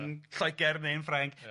yn Lloegr neu'n Ffrainc... Ia...